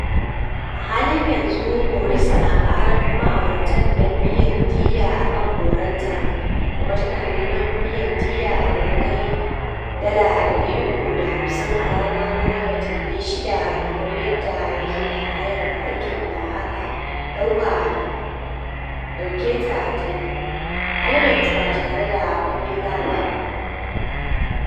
A halin yanzu, Maurice na karan ma'aurata don biyan diyya a kan koranta, kuma tana neman biyan diya da ya kai $ 350 a rana na watanni shida, kamar yadda yake a hayar aikin da aka dauke ta tayi, albeit ba tare da kwangila ba.